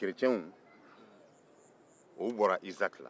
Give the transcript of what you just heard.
kereciyɛnw olu bɔra izaki la